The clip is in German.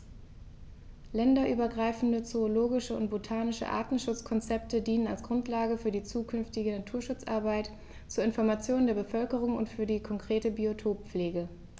Länderübergreifende zoologische und botanische Artenschutzkonzepte dienen als Grundlage für die zukünftige Naturschutzarbeit, zur Information der Bevölkerung und für die konkrete Biotoppflege.